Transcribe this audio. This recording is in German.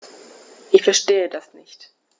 Ich verstehe das nicht.